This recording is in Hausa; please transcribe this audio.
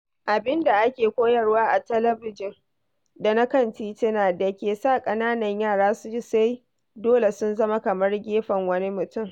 Abin da ake koyar wa a talabijin, da na kan titina, da ke sa ƙananan yara su ji sai dole sun zama kamar gefen wani mutum?